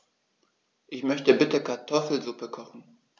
Ich möchte bitte Kartoffelsuppe kochen.